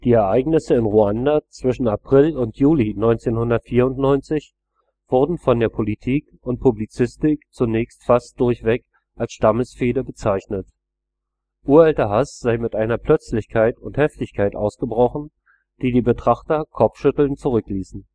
Ereignisse in Ruanda zwischen April und Juli 1994 wurden von Politik und Publizistik zunächst fast durchweg als „ Stammesfehde “bezeichnet. Uralter Hass sei mit einer Plötzlichkeit und Heftigkeit ausgebrochen, die die Betrachter kopfschüttelnd zurückließen